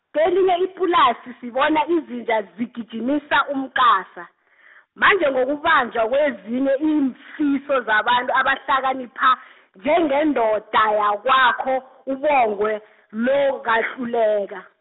kelinye ipulasi sibona izinja zigijimisa umqasa . manje ngokubanjwa kwezinye iimfiso zabantu abahlakanipha , njengendoda yakwakho, uBongwe lo, ngahluleka.